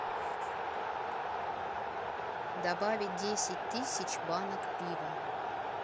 добавить десять тысяч банок пива